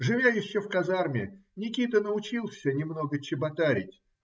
Живя еще в казарме, Никита научился немного чеботарить